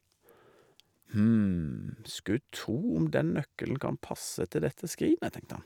Hm, skulle tro om den nøkkelen kan passe til dette skrinet, tenkte han.